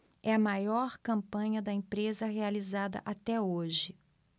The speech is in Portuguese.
é a maior campanha da empresa realizada até hoje